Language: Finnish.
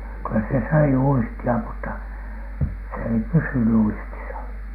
kyllä se söi uistia mutta se ei pysynyt uistissa